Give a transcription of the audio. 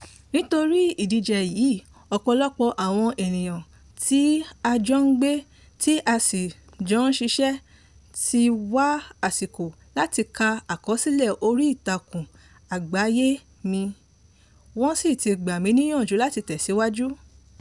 Nítorí ìdíje yìí, ọ̀pọ̀lọpọ̀ àwọn ènìyàn tí a jọ ń gbé tí a sì jọ ń ṣiṣẹ́ tí wá àsìkò láti ka àkọsílẹ̀ orí ìtàkùn àgbáyé mi wọ́n sì ti gbà mí níyànjú láti tẹ̀síwájú.